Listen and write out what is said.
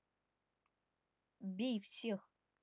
бей всех